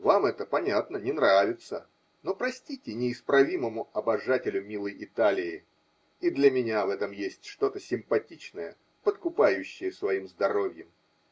Вам это, понятно, не нравится, но простите неисправимому обожателю милой Италии -- и для меня в этом есть что-то симпатичное, подкупающее своим здоровьем.